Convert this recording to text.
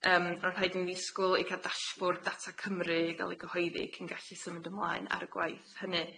Yym ma' rhaid i ni ysgwyl i ca'l dash bwrdd data Cymru i ga'l i gyhoeddi cyn gallu symud ymlaen ar y gwaith hynny.